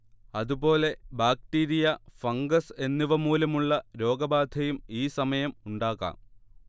അതുപോലെ bacteria, fungus എന്നിവമൂലമുള്ള രോഗബാധയും ഈസമയം ഉണ്ടാകാം